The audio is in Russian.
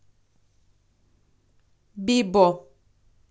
бибо